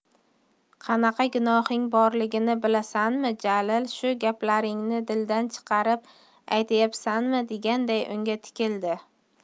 qanaqa gunohing borligini bilasanmi jalil shu gaplarnigni dildan chiqarib aytyapsanmi deganday unga tikildi